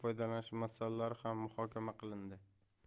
foydalanish masalalari ham muhokama qilindi